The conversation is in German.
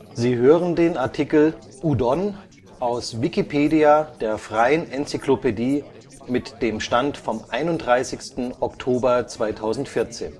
Sie hören den Artikel Udon, aus Wikipedia, der freien Enzyklopädie. Mit dem Stand vom Der